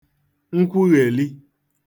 nkwughèli